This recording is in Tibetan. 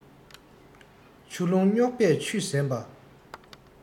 ཆུ ཀླུང རྙོག པས ཆུད གཟན པ